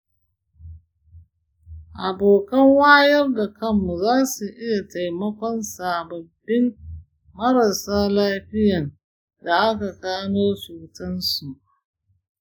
abokan wayar da kanmu zasu iya taimakon sababbin marasa lafiyan da aka gano cutansu.